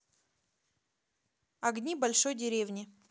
огни большой деревни